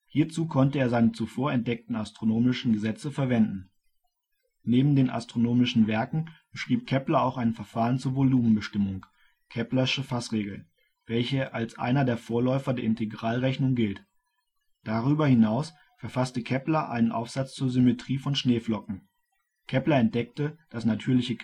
Hierzu konnte er seine zuvor entdeckten astronomischen Gesetze verwenden. Neben den astronomischen Werken beschrieb Kepler auch ein Verfahren zur Volumenbestimmung (Keplersche Fassregel), welche als einer der Vorläufer der Integralrechnung gilt. Darüber hinaus verfasste Kepler einen Aufsatz zur Symmetrie von Schneeflocken. Kepler entdeckte, dass natürliche